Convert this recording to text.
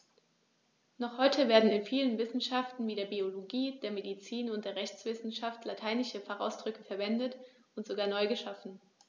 Noch heute werden in vielen Wissenschaften wie der Biologie, der Medizin und der Rechtswissenschaft lateinische Fachausdrücke verwendet und sogar neu geschaffen.